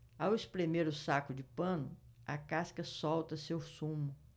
ao espremer o saco de pano a casca solta seu sumo